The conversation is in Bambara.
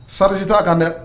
Sarisi t ta kan dɛ